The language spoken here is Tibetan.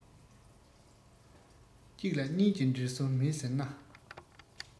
གཅིག ལ གཉིས ཀྱི འབྲེལ སོ མེད ཟེར ན